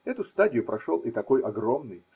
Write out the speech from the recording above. Эту стадию прошел и такой огромный.